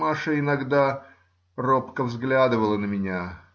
Маша иногда робко взглядывала на меня.